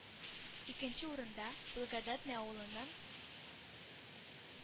Икенче урында Благодатная авылыннан